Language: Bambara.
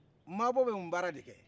mabɔ bɛ mun baara de kɛ